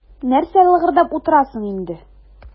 Нәрсә лыгырдап утырасың инде.